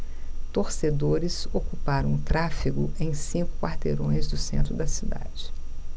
torcedores ocuparam o tráfego em cinco quarteirões do centro da cidade